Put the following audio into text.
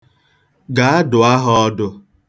Gaa, dụọ ha ọdụ.